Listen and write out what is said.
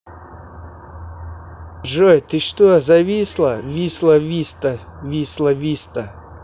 джой ты что зависла висла виста висла виста